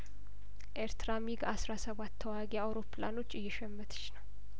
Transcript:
ኤርትራ ሚግ አስራ ሰባት ተዋጊ አውሮፕላኖች እየሸመተሽ ነው